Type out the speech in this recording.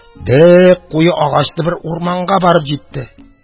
Бик куе агачлы бер урманга барып җитте.